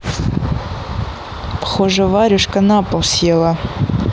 похоже варюшка на пол села